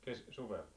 - suvella